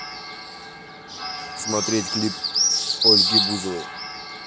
смотреть клип ольги бузовой